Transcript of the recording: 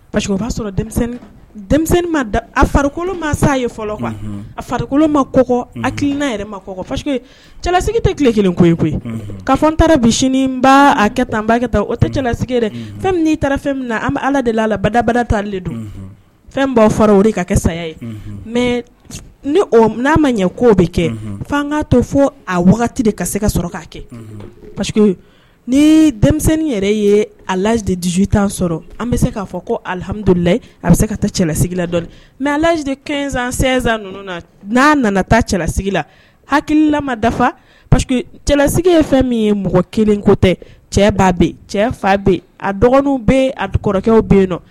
Pa que b'a sɔrɔ a farikolokolo ma sa ye fɔlɔ a farikolokolo ma kokɔ akil ninaa yɛrɛ ma kɔkɔ pa cɛlasigi tɛ tile kelen koyi koyi ka fɔ taara bi ba a kɛ tan ba o tɛ cɛlasigi dɛ fɛn min'i taara fɛn min na an bɛ ala dela la badabadatalen don fɛn b' fara ka kɛ saya ye mɛ ni n'a ma ɲɛ ko bɛ kɛ fa k'a to fo a wagati de ka se ka sɔrɔ k'a kɛ ni denmisɛnnin yɛrɛ ye a dusu tan sɔrɔ an bɛ se k'a fɔ ko alihamidula a bɛ se ka cɛlasigi la dɔ mɛ a kesansan na n'a nana taa cɛlasigi la hakililama dafa pa cɛlasigi ye fɛn min ye mɔgɔ kelen ko tɛ cɛ ba bɛ cɛ fa bɛ a dɔgɔninw bɛ a kɔrɔkɛw bɛ yen nɔn